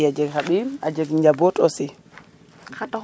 i a jeg xa ɓiy a jeg njambot aussi